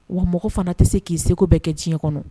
Wa mɔgɔ fana tɛ se k'i segu bɛɛ kɛ tiɲɛ kɔnɔ